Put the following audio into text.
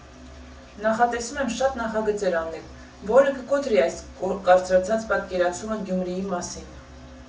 Նախատեսում եմ շատ նախագծեր անել, որը կկոտրի այս կարծրացած պատկերացումը Գյումրիի մասին։